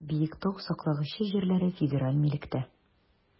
Биектау саклагычы җирләре федераль милектә.